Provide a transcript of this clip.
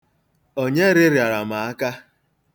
Onye rịrịara m aka?